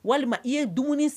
Walima i ye dumuni